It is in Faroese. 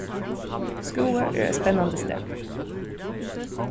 skúvoy er eitt spennandi stað